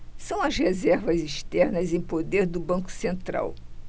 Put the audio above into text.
são as reservas externas em poder do banco central